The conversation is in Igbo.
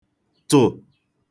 tụ̀